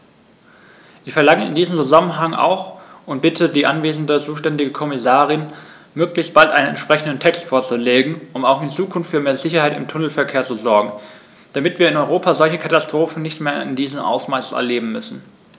Ich verlange in diesem Zusammenhang auch und bitte die anwesende zuständige Kommissarin, möglichst bald einen entsprechenden Text vorzulegen, um auch in Zukunft für mehr Sicherheit im Tunnelverkehr zu sorgen, damit wir in Europa solche Katastrophen nicht mehr in diesem Ausmaß erleben müssen!